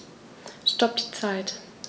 Stopp die Zeit